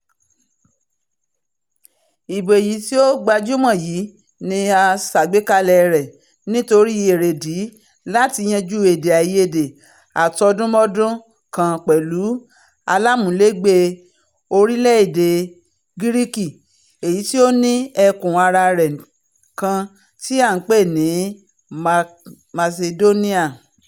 Ìlú Atẹẹni ni ó tí tẹnumọ́ fún ìgbà pipẹ wípé orúkọ aláàmúlégbè ní ìhà àríwá òun dúró fun ṣíṣe bi olúwa lóri ilẹ òun tí ó sì ń ṣe àtakò léra-léra sí àwọn ìgbìyànjú rẹ láti di ọmọ ẹgbẹ́ àjọ EU àti NATO.